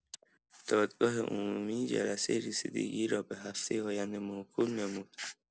دادگاه عمومی جلسه رسیدگی را به هفته آینده موکول نمود.